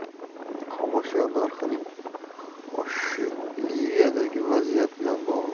xomashyo narxining oshishi liviyadagi vaziyat bilan bog'liq